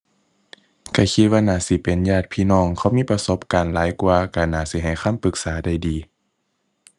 ข้อยคิดว่าน่าสิเป็นญาติพี่น้อง เขามีประสบการณ์หลายกว่า ก็น่าสิให้คำปรึกษาได้ดี